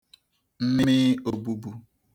mmii obūbū